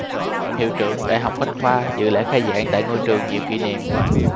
hiệu trưởng đại học bách khoa dự lễ khai giảng tại ngôi trường nhiều kỷ niệm